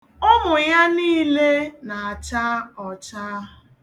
Ụmụ ya niile na-acha ọcha.